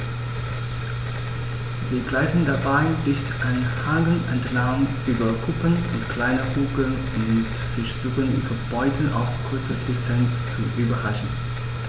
Sie gleiten dabei dicht an Hängen entlang, über Kuppen und kleine Hügel und versuchen ihre Beute auf kurze Distanz zu überraschen.